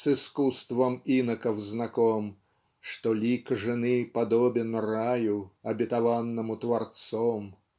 С искусством иноков знаком Что лик жены подобен раю Обетованному Творцом. .